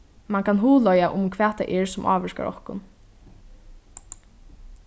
mann kann hugleiða um hvat tað er sum ávirkar okkum